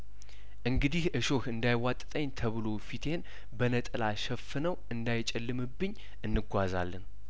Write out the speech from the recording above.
እንግዲህ እሾህ እንዳይቧጥጠኝ ተብሎ ፊቴን በነጠላ ሸፍነው እንደጨለመብኝ እንጓዛለን